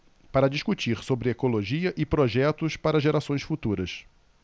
para discutir sobre ecologia e projetos para gerações futuras